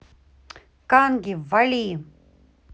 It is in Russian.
канги вали